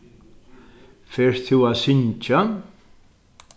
fert tú at syngja